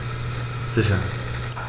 Sicher.